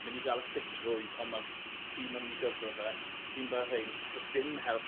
mynd i ga'l y ffitrwydd ond ma'r t- tîm yn myn' i gyfro fe. Tîm Bahrain do's dim help